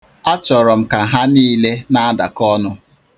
Achọrọ m ka ha niile na-adakọ ọnụ.